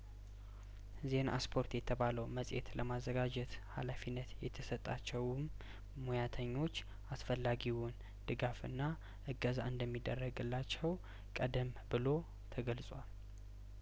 ዜና እስፖርት የተባለው መጽሄት ለማዘጋጀት ሀላፊነት የተሰጣቸውም ሙያተኞች አስፈላጊውን ድጋፍና እገዛ እንደሚደረግላቸው ቀደም ብሎ ተገልጿል